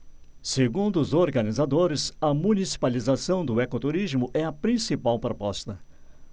segundo os organizadores a municipalização do ecoturismo é a principal proposta